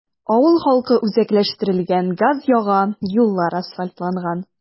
Авыл халкы үзәкләштерелгән газ яга, юллар асфальтланган.